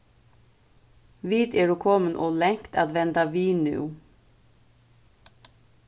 vit eru komin ov langt at venda við nú